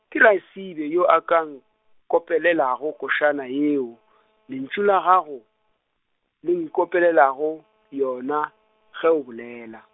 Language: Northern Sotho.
ke Raesibe yo a ka nkopelelago košana yeo, lentšu la gago, le nkopelelago yona, ge o bolela.